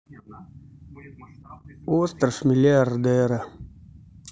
остров миллиардера